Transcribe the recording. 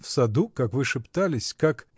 — В саду, как вы шептались, как.